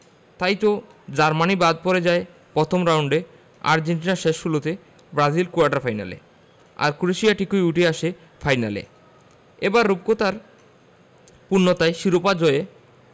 তাইতো জার্মানি বাদ পড়ে যায় প্রথম রাউন্ডে আর্জেন্টিনা শেষ ষোলোতে ব্রাজিল কোয়ার্টার ফাইনালে আর ক্রোয়েশিয়া ঠিকই উঠে আসে ফাইনালে এবার রূপকথার পূর্ণতায় শিরোপা জয়ের